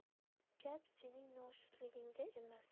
gap sening noshudligingda emas